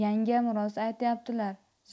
yangam rost aytyaptilar